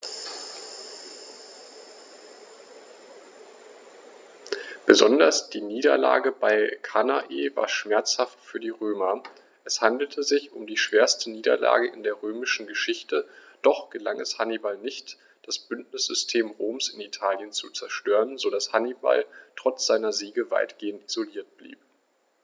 Besonders die Niederlage bei Cannae war schmerzhaft für die Römer: Es handelte sich um die schwerste Niederlage in der römischen Geschichte, doch gelang es Hannibal nicht, das Bündnissystem Roms in Italien zu zerstören, sodass Hannibal trotz seiner Siege weitgehend isoliert blieb.